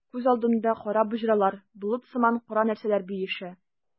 Күз алдымда кара боҗралар, болыт сыман кара нәрсәләр биешә.